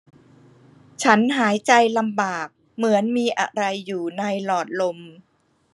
ฉันหายใจลำบากเหมือนมีอะไรอยู่ในหลอดลม